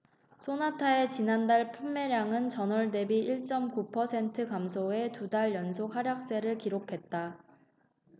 쏘나타의 지난달 판매량은 전월 대비 일 쩜 구 퍼센트 감소해 두 달 연속 하락세를 기록했다